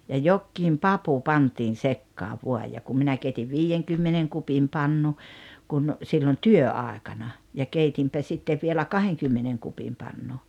ja jokin papu pantiin sekaan vain ja kun minä keitin viidenkymmenen kupin pannun kun silloin työaikana ja keitin sitten vielä kahdenkymmenen kupin pannun